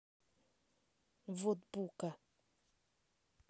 вот буба